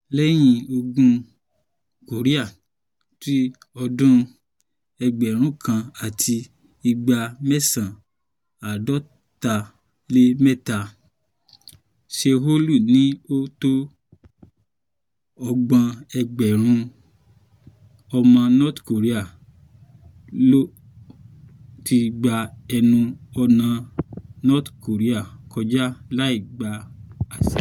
Lẹ́yìn Ogun Korea t’ọdún 1953, Seoul ní ó tó 30,000 ọmọ North Korea ló ti gba ẹnu ọ̀nà North Korea kọjá láìgbaṣẹ.